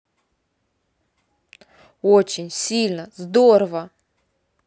очень сильно здорово